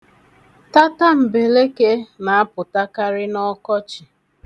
Tatam̀bèlekē na-apụtakarị n'ọkọchị.